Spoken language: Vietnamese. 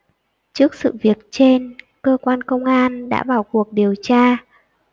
trước sự việc trên cơ quan công an đã vào cuộc điều tra